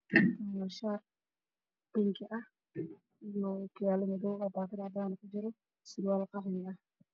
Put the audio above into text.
Waa shaar bingi ah iyo ookiyaalo madow ah oo baakad cadaan ah kujiro iyo surwaal qaxwi ah.